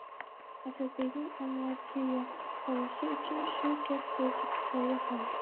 asadbekning anvarga yoqib qolishi uchun shu gap o'zi kifoya qildi